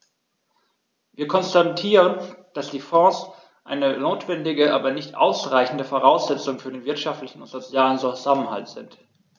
Wir konstatieren, dass die Fonds eine notwendige, aber nicht ausreichende Voraussetzung für den wirtschaftlichen und sozialen Zusammenhalt sind.